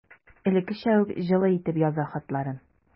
Элеккечә үк җылы итеп яза хатларын.